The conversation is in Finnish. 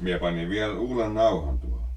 minä panin vielä uuden nauhan tuohon